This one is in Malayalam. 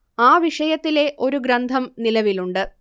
ആ വിഷയത്തിലെ ഒരു ഗ്രന്ഥം നിലവിലുണ്ട്